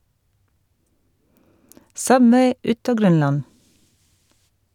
Subway ut av Grønland!